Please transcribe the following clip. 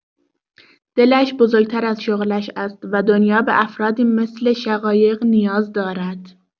دلش بزرگ‌تر از شغلش است و دنیا به افرادی مثل شقایق نیاز دارد.